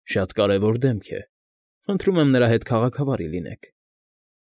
Շատ կարևոր դեմք է։ Խնդրում եմ նրա հետ քաղաքավարի լինեք։